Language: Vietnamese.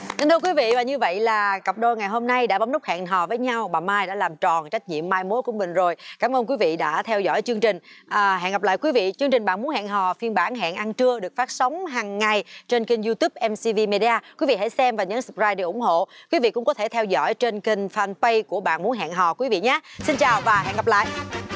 kính thưa quý vị và như vậy là cặp đôi ngày hôm nay đã bấm nút hẹn hò với nhau bà mai đã làm tròn trách nhiệm mai mối của mình rồi cám ơn quý vị đã theo dõi chương trình ờ hẹn gặp lại quý vị chương trình bạn muốn hẹn hò phiên bản hẹn ăn trưa được phát sóng hằng ngày trên kênh diu túp em si vi mê đi a quý vị hãy xem và nhớ sập rai để ủng hộ quý vị cũng có thể theo dõi trên kinh phan pây của bạn muốn hẹn hò quý vị nhá xin chào và hẹn gặp lại